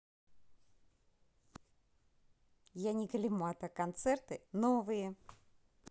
яне калимата концерты новые